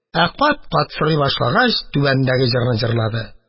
Ә кат-кат сорый башлагач, түбәндәге җырны җырлады